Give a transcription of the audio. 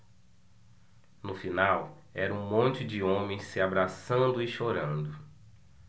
no final era um monte de homens se abraçando e chorando